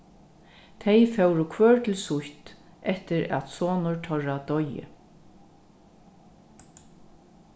tey fóru hvør til sítt eftir at sonur teirra doyði